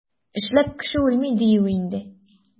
Эшләп кеше үлми, диюе инде.